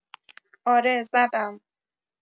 آره زدم